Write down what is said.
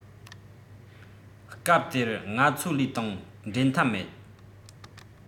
སྐབས དེར ང ཚོ ལས དང འགྲན ཐབས མེད